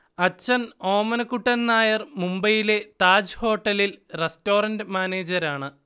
അച്ഛൻ ഓമനക്കുട്ടൻ നായർ മുബൈയിലെ താജ് ഹോട്ടലിൽ റസ്റ്റോറന്റ് മാനേജരാണ്